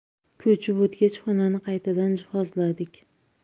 ko'chib o'tgach xonani qaytadan jihozladik